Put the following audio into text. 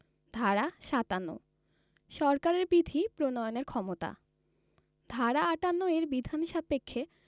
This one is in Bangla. ধারা ৫৭ সরকারের বিধি প্রণয়নের ক্ষমতা ধারা ৫৮ এর বিধান সাপেক্ষে